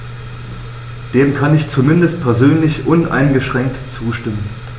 Dem kann ich zumindest persönlich uneingeschränkt zustimmen.